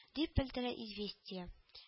Дип белдерә известия